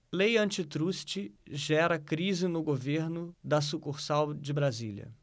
lei antitruste gera crise no governo da sucursal de brasília